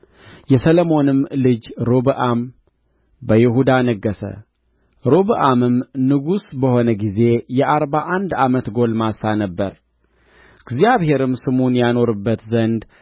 የሰሎሞንም ልጅ ሮብዓም በይሁዳ ነገሠ ሮብዓምም ንጉሥ በሆነ ጊዜ የአርባ አንድ ዓመት ጉልማሳ ነበረ እግዚአብሔርም ስሙን ያኖርባት ዘንድ